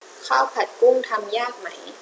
ข้าวผัดกุ้งทำยากไหม